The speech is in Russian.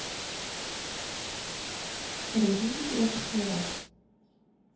разрешите тебя поцеловать